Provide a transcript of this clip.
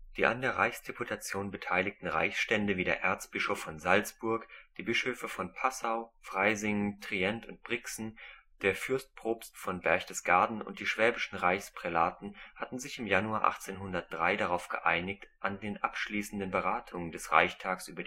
Die an der Reichsdeputation beteiligten Reichsstände, wie der Erzbischof von Salzburg, die Bischöfe von Passau, Freising, Trient und Brixen, der Fürstpropst von Berchtesgaden und die schwäbischen Reichsprälaten, hatten sich im Januar 1803 darauf geeinigt, an den abschließenden Beratungen des Reichstags